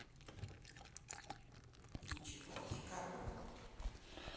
ничего и король